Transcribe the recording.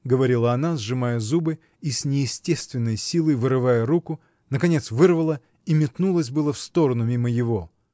— говорила она, сжимая зубы и с неестественной силой вырывая руку, наконец вырвала и метнулась было в сторону, мимо его.